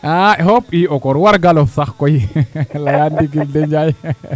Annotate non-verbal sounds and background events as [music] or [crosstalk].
a i xop o kor wargarof koy sax [laughs] leya ndigil de Njaay